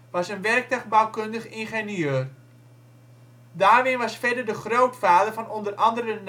was een werktuigbouwkundig ingenieur. Darwin was verder de grootvader van onder andere